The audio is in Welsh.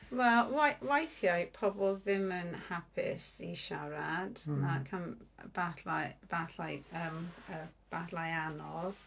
Wel we- weithiau pobl ddim yn hapus i siarad nac- yym efallai... efallai yym yy efallai anodd.